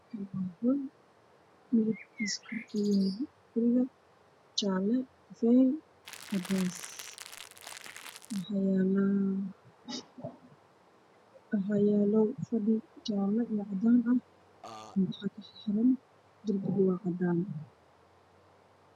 Waa hool waxaa yaalla kuraas jaal ah korwa cadaan darbigu waa cadaan dhulka waa caddaan dahman ayaa ku xiran